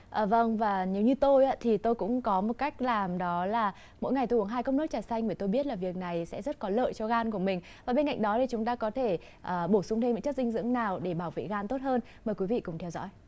à vâng và nếu như tôi thì tôi cũng có một cách làm đó là mỗi ngày tôi uống hai cốc nước trà xanh bởi tôi biết là việc này sẽ rất có lợi cho gan của mình và bên cạnh đó để chúng ta có thể ở bổ sung thêm những chất dinh dưỡng nào để bảo vệ gan tốt hơn mời quý vị cùng theo dõi